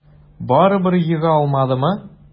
Барыбер ега алмадымы?